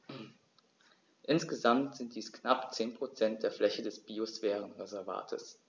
Insgesamt sind dies knapp 10 % der Fläche des Biosphärenreservates.